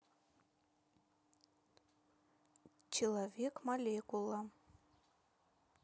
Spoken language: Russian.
человек молекула